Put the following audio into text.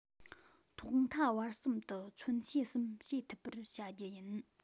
ཐོག མཐའ བར གསུམ དུ མཚོན བྱེད གསུམ བྱེད ཐུབ པར བྱ རྒྱུ ཡིན